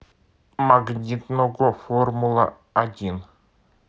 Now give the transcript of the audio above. магнитного формула один